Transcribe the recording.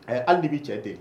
Ayi, hali n'i b'i cɛ de